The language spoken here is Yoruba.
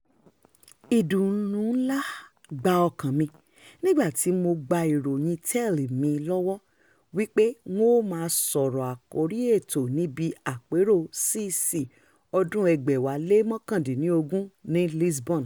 Ìdùnnù ǹlá gba ọkàn-an mi nígbà tí mo gba ìròyìn tẹl mí lọ́wọ́ wípé n ó máa sọ̀rọ̀ àkórí ètò níbi Àpérò CC ọdún-un 2019 ní Lisbon. ...